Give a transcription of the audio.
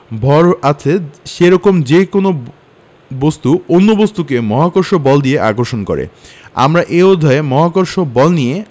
ভর আছে সেরকম যেকোনো বস্তু অন্য বস্তুকে মহাকর্ষ বল দিয়ে আকর্ষণ করে আমরা এই অধ্যায়ে মহাকর্ষ বল নিয়ে